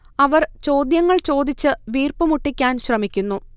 അവർ ചോദ്യങ്ങൾ ചോദിച്ച് വീർപ്പ് മുട്ടിക്കാൻ ശ്രമിക്കുന്നു